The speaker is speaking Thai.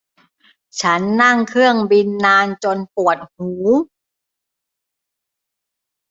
ฉันนั่งเครื่องบินนานจนปวดหู